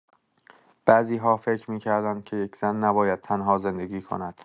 بعضی‌ها فکر می‌کردند که یک زن نباید تنها زندگی کند.